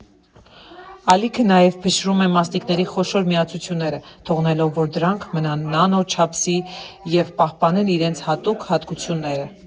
Ալիքը նաև փշրում է մասնիկների խոշոր միացությունները, թողնելով, որ դրանք մնան նանո չափսի և պահպանեն իրենց հատուկ հատկությունները։